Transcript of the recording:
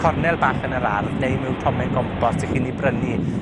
cornel bach yn yr ardd, neu mewn tomen gompost 'ych chi'n 'i brynu